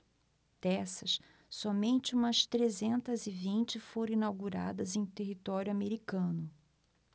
dessas somente umas trezentas e vinte foram inauguradas em território americano